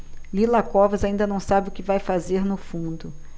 lila covas ainda não sabe o que vai fazer no fundo